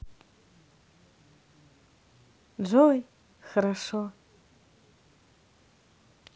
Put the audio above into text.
джой хорошо